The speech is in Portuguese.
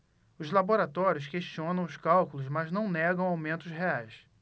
os laboratórios questionam os cálculos mas não negam aumentos reais